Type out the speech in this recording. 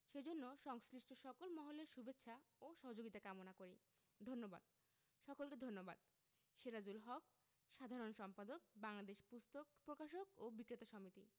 সেজন্য সংশ্লিষ্ট সকল মহলের শুভেচ্ছা ও সহযোগিতা কামনা করি ধন্যবাদ সকলকে ধন্যবাদ সেরাজুল হক সাধারণ সম্পাদক বাংলাদেশ পুস্তক প্রকাশক ও বিক্রেতা সমিতি